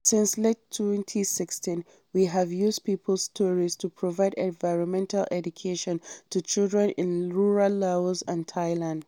We have hosted workshops in schools and local communities to guide children, and sometimes adults, to collect stories from elderly people, learn from the stories, and turn them into reading materials.